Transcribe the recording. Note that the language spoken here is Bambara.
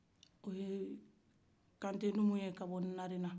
o ye kante numun ye ka bɔ narena